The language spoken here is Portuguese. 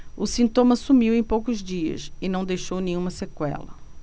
o sintoma sumiu em poucos dias e não deixou nenhuma sequela